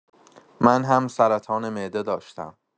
من هم سرطان معده داشتم